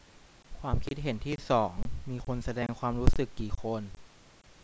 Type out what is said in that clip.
ความคิดเห็นที่สองมีคนแสดงความรู้สึกกี่คน